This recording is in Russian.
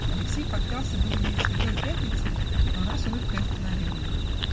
Алексей поклялся было ей святою пятницею, но она с улыбкой остановила его.